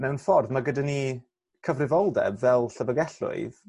mewn ffordd ma' gyda ni cyfrifoldeb fel llyfyrgelloedd